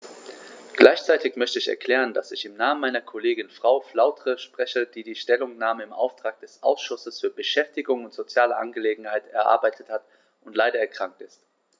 Gleichzeitig möchte ich erklären, dass ich im Namen meiner Kollegin Frau Flautre spreche, die die Stellungnahme im Auftrag des Ausschusses für Beschäftigung und soziale Angelegenheiten erarbeitet hat und leider erkrankt ist.